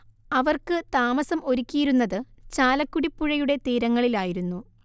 അവർക്ക് താമസം ഒരുക്കിയിരുന്നത് ചാലക്കുടിപ്പുഴയുടെ തീരങ്ങളിലായിരുന്നു